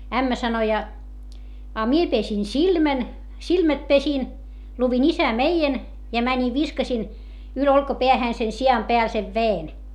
ämmä sanoi ja a minä pesin silmän silmät pesin luin Isä meidän ja menin viskasin yli olkapään sen sian päälle sen veden